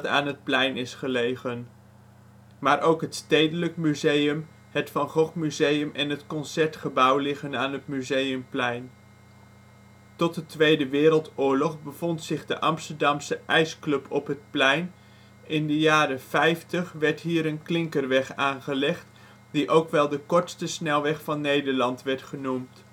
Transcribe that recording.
aan het plein is gelegen. Maar ook het Stedelijk Museum, het Van Gogh Museum en het Concertgebouw liggen aan het Museumplein. Tot de Tweede Wereldoorlog bevond zich de Amsterdamse IJsclub op het plein, in de jaren 50 werd hier een klinkerweg aangelegd, die ook wel de Kortste snelweg van Nederland werd genoemd